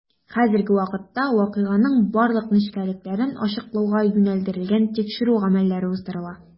Хәзерге вакытта вакыйганың барлык нечкәлекләрен ачыклауга юнәлдерелгән тикшерү гамәлләре уздырыла.